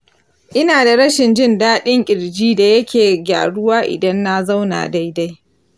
ina da rashin jin daɗin ƙirji da yake gyaruwa idan na zauna daidai